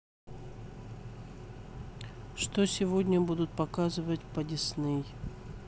что сегодня будут показывать по disney